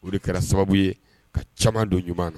O de kɛra sababu ye ka caman don ɲuman